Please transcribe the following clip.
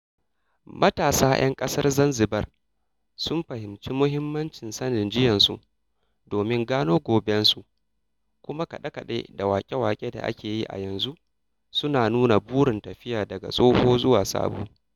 Matasa 'yan ƙasar Zanzibar sun fahimci muhimmancin sanin jiyansu domin gano gobensu kuma kaɗe-kaɗe da waƙe-waƙe da ake yi a yanzu suna nuna burin tafiya daga tsoho zuwa sabo.